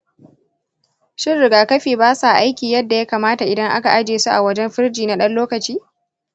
shin rigakafi ba sa aiki yadda ya kamata idan aka ajiye su a wajan firiji na ɗan lokaci?